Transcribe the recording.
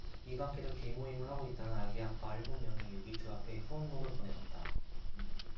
이밖에도 계모임을 하고 있다는 아기 아빠 일곱 명이 의기투합해 후원금을 보내왔다